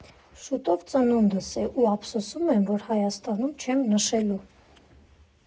Շուտով ծնունդս է, ու ափսոսում եմ, որ Հայաստանում չեմ նշելու։